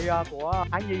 đội của khả nhi